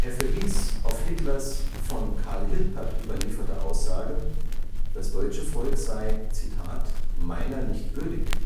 verwies auf Hitlers von Carl Hilpert überlieferte Aussage, das deutsche Volk sei „ meiner nicht würdig